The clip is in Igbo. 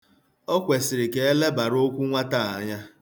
O kwesịrị Ka e lebara okwu nwata a anya.